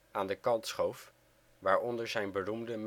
aan de kant schoof, waaronder zijn beroemde